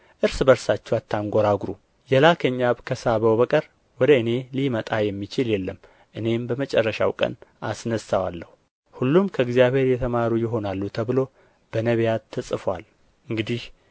እርስ በርሳችሁ አታንጐራጕሩ የላከኝ አብ ከሳበው በቀር ወደ እኔ ሊመጣ የሚችል የለም እኔም በመጨረሻው ቀን አስነሣዋለሁ ሁሉም ከእግዚአብሔር የተማሩ ይሆናሉ ተብሎ በነቢያት ተጽፎአል እንግዲህ